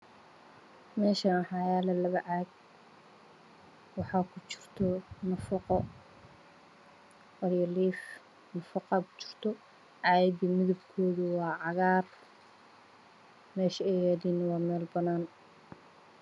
Meshaan waxa yaalo labo caag nafaqa aya ku jirto caagaga midabkooda waa cagaar meesha ay yalaan waa meel banaan